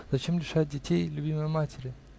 Зачем лишать детей любимой матери?